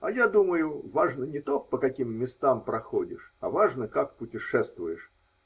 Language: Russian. А я думаю, важно не то, по каким местам проходишь, а важно, как путешествуешь.